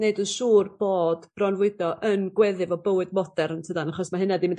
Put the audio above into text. neud yn siŵr bod bronfwydo yn gweddi efo bywyd modern tydan achos ma' hynna 'di mynd...